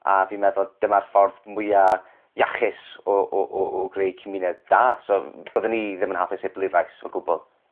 A fi'n meddwl dyma'r ffordd mwya iachus o o o o greu cymuned da so byddwn i ddim yn hapus heb bleidlais o gwbwl.